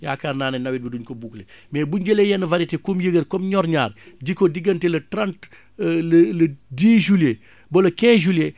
yaakaar naa ne nawet bi duñ ko boucler mais buñ jëlee yenn variété comme yëgër comme ñor-ñaar ji ko diggante le trante le le dix juillet ba le quinze juillet